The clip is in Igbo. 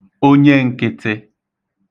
onyen̄kị̄tị̄